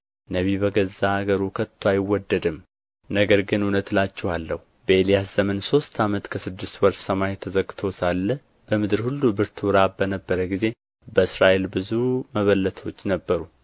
ነቢይ በገዛ አገሩ ከቶ አይወደድም ነገር ግን እውነት እላችኋለሁ በኤልያስ ዘመን ሦስት ዓመት ከስድስት ወር ሰማይ ተዘግቶ ሳለ በምድር ሁሉ ብርቱ ራብ በነበረ ጊዜ በእስራኤል ብዙ መበለቶች ነበሩ